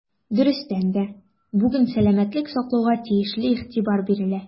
Дөрестән дә, бүген сәламәтлек саклауга тиешле игътибар бирелә.